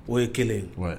O ye kelen ye, wɛ,